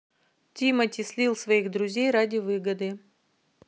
тимати слил своих друзей ради выгоды